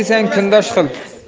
desang kundosh qil